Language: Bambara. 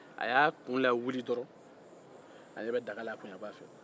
a y'a kun lawuli dɔrɔn a ɲɛ bɛ daga laa kunyanfan fɛ